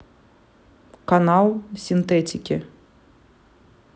канал синтетики